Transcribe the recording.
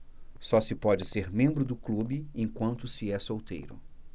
só se pode ser membro do clube enquanto se é solteiro